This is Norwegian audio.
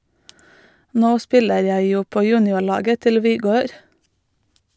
- Nå spiller jeg jo på juniorlaget til Vigør.